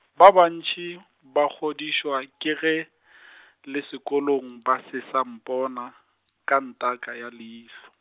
ba bantši ba kgodišwa ke ge , le sekolong ba se sa mpona, ka ntaka ya leihlo.